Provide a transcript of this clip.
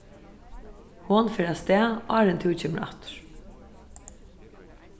hon fer avstað áðrenn tú kemur aftur